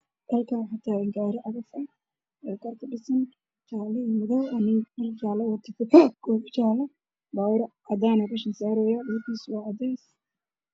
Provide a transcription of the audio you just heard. Meeshan waxaa yaalo gaari cadaan ah iyo gaar jaallaha waxaa taagan laba nin